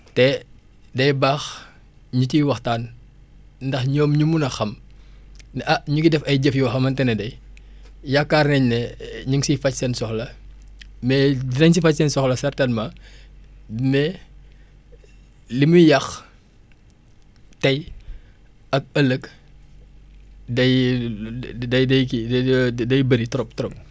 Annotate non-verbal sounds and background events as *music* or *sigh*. te day baax ñu ciy waxtaan ndax ñoom ñu mun a xam ne ah ñu ngi def ay jëf yoo xamante ne day yaakaar nañ ne *hesitation* ñu ngi siy faj seen soxla mais dinañ si faj seen soxla certainement *breath* mais li muy yàq tey ak ëllëg day *hesitation* day day day kii *hesitation* day bëri trop trop